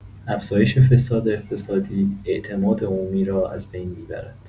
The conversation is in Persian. افزایش فساد اقتصادی، اعتماد عمومی را از بین می‌برد.